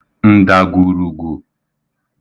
ǹdàgwùrùgwù